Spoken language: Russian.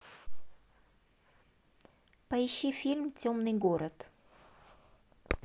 поищи фильм темный город